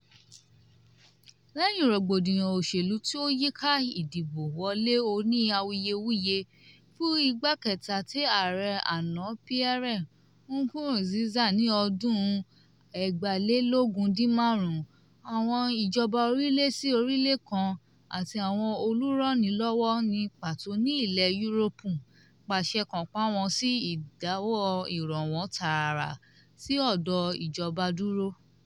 Lẹ́yìn rògbòdìyàn òṣèlú tí ó yíká ìdìbò wọlé òní awuyewuye fún ìgbà kẹta tí Ààrẹ àná Pierre Nkurunziza ní ọdún 2015, àwọn ìjọba orílẹ̀-sí-orílẹ̀ kan àti àwọn olúranilọ́wọ̀, ní pàtó ní Ilẹ̀ Yúróòpù, pàṣẹ kànńpá wọ́n sì dáwọ́ ìrànwọ́ tààrà sí ọ̀dọ̀ ìjọba dúró.